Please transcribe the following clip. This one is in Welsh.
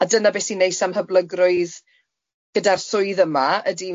a dyna beth sy'n neis am hyblygrwydd gyda'r swydd yma ydi... M-hm.